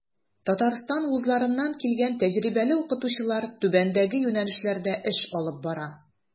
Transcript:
Татарстан вузларыннан килгән тәҗрибәле укытучылар түбәндәге юнәлешләрдә эш алып бара.